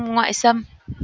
ngoại xâm